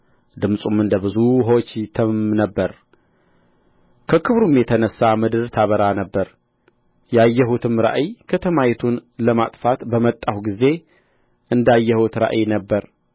ድምፁም እንደ ብዙ ውኆች ይተምም ነበር ከክብሩም የተነሣ ምድር ታበራ ነበር ያየሁትም ራእይ ከተማይቱን ለማጥፋት በመጣሁ ጊዜ እንዳየሁት ራእይ ነበረ